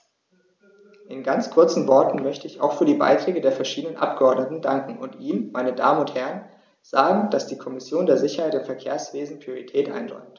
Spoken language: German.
In ganz kurzen Worten möchte ich auch für die Beiträge der verschiedenen Abgeordneten danken und Ihnen, meine Damen und Herren, sagen, dass die Kommission der Sicherheit im Verkehrswesen Priorität einräumt.